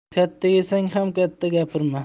katta yesang ham katta gapirma